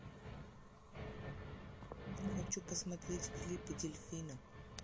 хочу посмотреть клипы дельфина